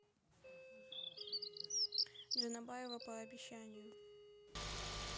джанабаева по обещанию